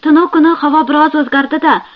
tunov kuni havo bir oz o'zgardi da